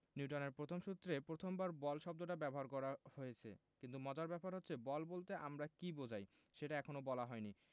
নিউটনের প্রথম সূত্রে প্রথমবার বল শব্দটা ব্যবহার করা হয়েছে কিন্তু মজার ব্যাপার হচ্ছে বল বলতে আমরা কী বোঝাই সেটা এখনো বলা হয়নি